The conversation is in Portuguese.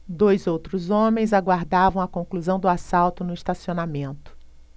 dois outros homens aguardavam a conclusão do assalto no estacionamento